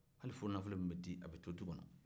hali furunafolo min bɛ di a bɛ to du kɔnɔ